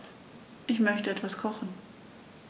Ich möchte etwas kochen.